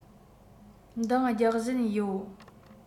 འདང རྒྱག བཞིན ཡོད